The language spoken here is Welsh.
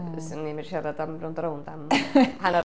'Swn i'n medru siarad am Rownd a Rownd am hanner...